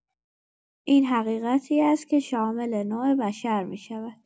این حقیقتی است که شامل نوع بشر می‌شود.